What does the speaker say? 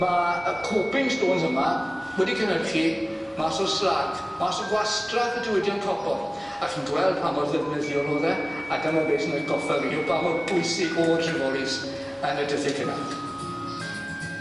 Ma' y coping stones yma wedi cynhyrchu mas o slag mas o gwastraff y diwydion copor a chi'n gweld pa mor ddefnyddiol o'dd e a dyma be' sy'n atgoffa fi o ba mor bwysig o' Dreforis yn y dyddie cynnar.